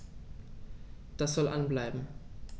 Das soll an bleiben.